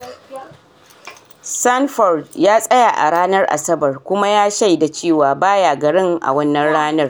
Sanford ya tsaya a ranar Asabar kuma ya shaida cewa ba ya garin a Wannan ranar.